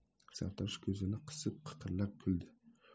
sartarosh ko'zini qisib qiqirlab kuldi